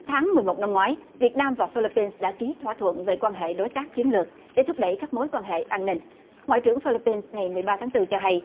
tháng mười một năm ngoái việt nam và phi líp pin đã ký thỏa thuận về quan hệ đối tác chiến lược để thúc đẩy các mối quan hệ an ninh ngoại trưởng phi líp pin ngày mười ba tháng tư cho hay